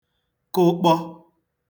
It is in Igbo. kụkpọ